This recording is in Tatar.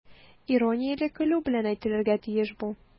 Иронияле көлү белән әйтелергә тиеш бу.